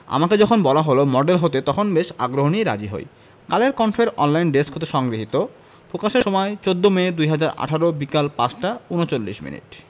আমাকে যখন বলা হলো মডেল হতে তখন বেশ আগ্রহ নিয়েই রাজি হই কালের কণ্ঠ এর অনলাইনে ডেস্ক হতে সংগৃহীত প্রকাশের সময় ১৪মে ২০১৮ বিকেল ৫টা ৩৯ মিনিট